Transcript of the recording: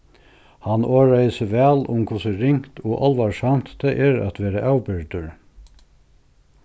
hann orðaði seg væl um hvussu ringt og álvarsamt tað er at vera avbyrgdur